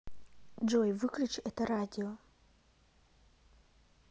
джой выключи это радио